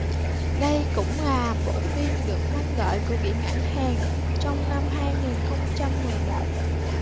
đây cũng là bộ phim được mong đợi của điện ảnh hàn trong năm hai nghìn không trăm mười một